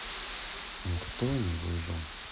никто не выжил